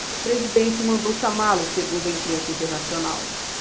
o presidente mandou chamá-lo segundo a imprensa internacional